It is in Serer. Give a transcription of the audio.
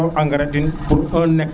so engrais tin pour 1hectar :frap